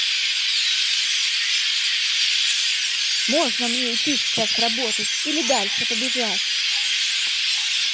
можно мне идти сейчас работать или дальше побежать